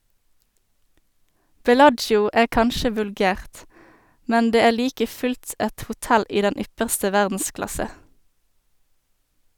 Bellagio er kanskje vulgært, men det er like fullt et hotell i den ypperste verdensklasse.